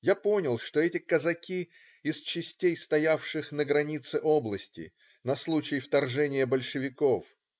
Я понял, что эти казаки- из частей, стоявших на границе области, на случай вторжения большевиков.